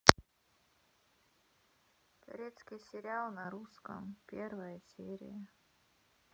турецкий сериал на русском первая серия